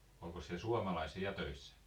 olikos siellä suomalaisia ja töissä